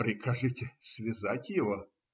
- Прикажите связать его.